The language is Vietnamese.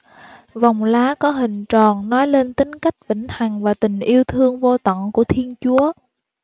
vòng lá có hình tròn nói lên tính cách vĩnh hằng và tình yêu thương vô tận của thiên chúa